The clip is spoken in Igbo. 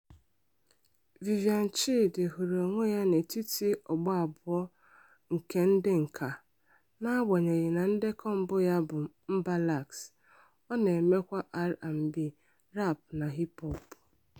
Viviane Chidid hụrụ onwe ya n'etiti ọgbọ abụọ nke ndị nka: n'agbanyeghị na ndekọ mbụ ya bụ Mbalax, ọ na-emekwa R&B, rap na hip hop.